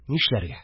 Нишләргә